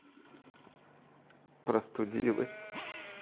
простудилась